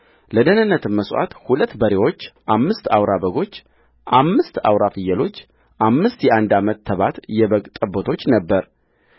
ለደኅንነትም መሥዋዕት ሁለት በሬዎች አምስት አውራ በጎች አምስት አውራ ፍየሎች አምስት የአንድ ዓመት ተባት የበግ ጠቦቶች ነበረ